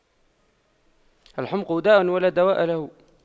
الحُمْقُ داء ولا دواء له